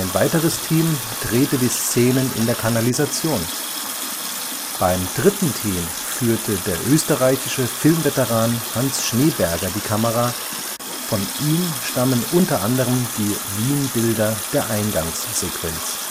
weiteres Team drehte die Szenen in der Kanalisation. Beim dritten Team führte der österreichische Filmveteran Hans Schneeberger die Kamera, von ihm stammen unter anderem die Wien-Bilder der Eingangssequenz